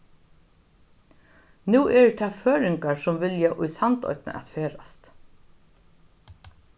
nú eru tað føroyingar sum vilja í sandoynna at ferðast